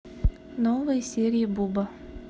новые серии буба